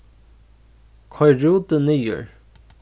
koyr rútin niður